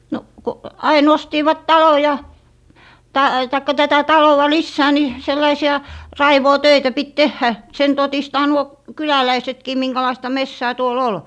no kun aina ostivat talon ja - tai tätä taloa lisää niin sellaisia raivuutöitä piti tehdä sen todistaa nuo kyläläisetkin minkälaista metsää tuolla oli